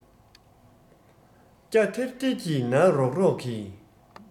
སྐྱ ཐེར ཐེར གྱི ནག རོག རོག གི